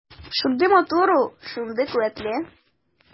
Шундый матур ул, шундый куәтле.